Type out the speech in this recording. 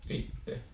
itse